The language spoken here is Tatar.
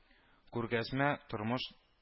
Күргәзмә “Тормыш